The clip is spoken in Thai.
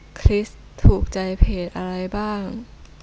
คริสถูกใจเพจอะไรบ้าง